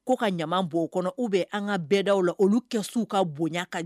Ko ka ɲama bɔ o kɔnɔ u bɛ an ka bɛɛda la olu kɛ su ka bonya ka